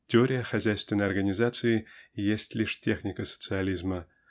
Теория хозяйственной организации есть лишь техника социализма